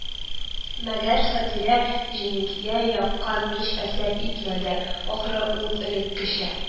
Мәгәр Сатирә җиңгигә яккан мич әсәр итмәде, ахры, ул элеккечә: